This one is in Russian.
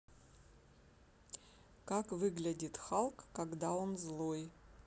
как выглядит халк когда он злой